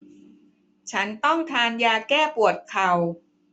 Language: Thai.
ฉันต้องทานยาแก้ปวดเข่า